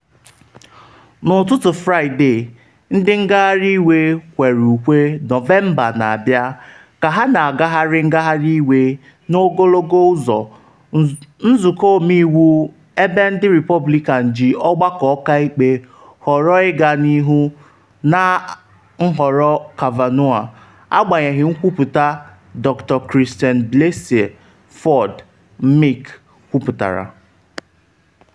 N’ụtụtụ Fraịde, ndị ngagharị iwe kwere ukwe “Nọvemba na-abịa!” ka ha na-agagharị ngagharị iwe n’ogologo ụzọ Nzụkọ Ọmeiwu ebe ndị Repọblikan ji Ọgbakọ Ọka Ikpe họrọ ịga n’ihu na nhọrọ Kavanaugh agbanyeghị nkwuputa Dr. Christine Blasey Ford, Mic kwuputara.